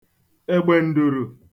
ègbèǹdùrù